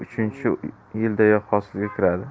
ikkinchi uchinchi yildayoq hosilga kiradi